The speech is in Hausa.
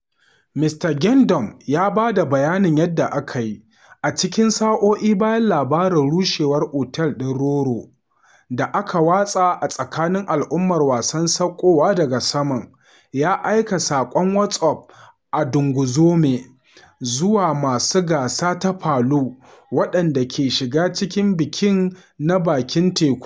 Mista Gendon ya ba da bayanin yadda aka yi, a cikin sa’o’i bayan labarin rushewar otel ɗin Roa Roa da aka watsa a tsakanin al’ummar wasan saukowa daga saman, ya aika sakonnin WhatsApp a dugunzume zuwa masu gasa ta Palu, waɗanda ke shiga cikin bikin na bakin tekun.